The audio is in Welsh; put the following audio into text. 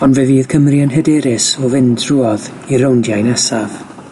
Ond fe fydd Cymru yn hyderus o fynd drwodd i'r rowndiau nesaf.